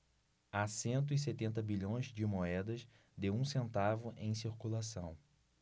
há cento e setenta bilhões de moedas de um centavo em circulação